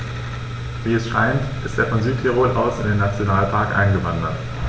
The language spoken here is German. Wie es scheint, ist er von Südtirol aus in den Nationalpark eingewandert.